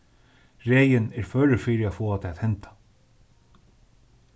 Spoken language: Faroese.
regin er førur fyri at fáa tað at henda